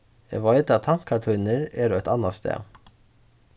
eg veit at tankar tínir eru eitt annað stað